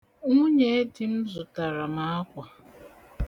Nwunyeedi m zụtara m akwa.